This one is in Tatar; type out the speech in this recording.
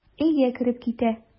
Өйгә кереп китә.